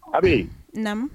A naamu